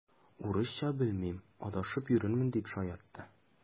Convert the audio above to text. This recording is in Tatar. Урысча белмим, адашып йөрермен, дип шаяртты.